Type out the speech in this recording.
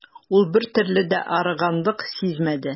Ул бертөрле дә арыганлык сизмәде.